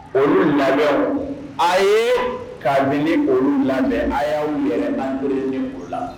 Olu lamɛn a ye kabini olu lamɛn a y' yɛrɛ baurnen o la